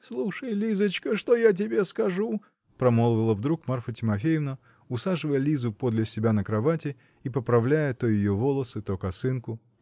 -- Слушай, Лизочка, что я тебе скажу, -- промолвила вдруг Марфа Тимофеевна, усаживая Лизу подле себя на кровати и поправляя то ее волосы, то косынку.